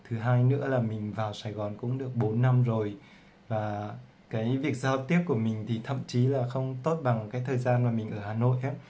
thứ hai mình vào sg được năm rồi việc giao tiếp của mình thậm chí không tốt bằng thời gian mình ở hà nội